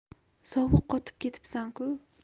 sovuq qotib ketibsan ku